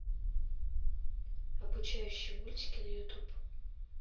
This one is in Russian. обучающие мультики на ютуб